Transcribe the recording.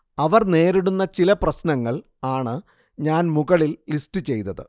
അവർ നേരിടുന്ന ചില പ്രശ്നങ്ങൾ ആണ് ഞാൻ മുകളിൽ ലിസ്റ്റ് ചെയ്തത്